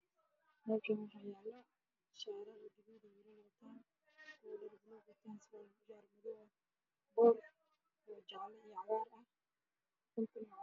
Waa meel banaan waxaa iskugu imaaday niman banoon dheeli Rabaa